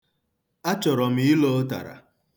Achọrọ m ilo ụtara.